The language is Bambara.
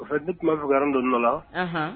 Au fait ne tun b'a fɛ ka do nɔ la anhan